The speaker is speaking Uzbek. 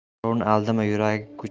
birovni aldama yurgan